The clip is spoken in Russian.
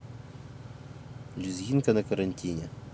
лезгинка на карантине